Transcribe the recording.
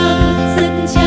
reo